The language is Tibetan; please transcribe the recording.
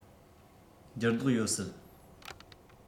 འགྱུར ལྡོག ཡོད སྲིད